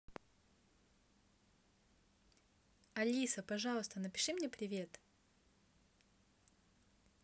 алиса пожалуйста напиши мне привет